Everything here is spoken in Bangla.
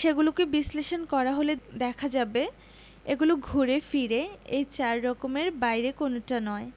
সেগুলোকে বিশ্লেষণ করা হলে দেখা যাবে এগুলো ঘুরে ফিরে এই চার রকমের বাইরে কোনোটা নয়